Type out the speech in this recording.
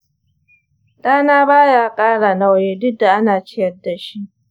ɗana ba ya ƙara nauyi duk da ana ciyar da shi.